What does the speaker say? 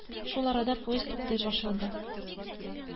Звонок шалтырый, ишектән штурмовик керә.